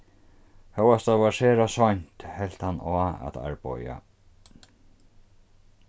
hóast tað var sera seint helt hann á at arbeiða